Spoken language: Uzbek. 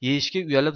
yeyishga uyalib